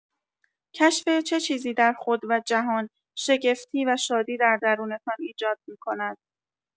کشف چه چیزی در خود و جهان، شگفتی و شادی در درونتان ایجاد می‌کند؟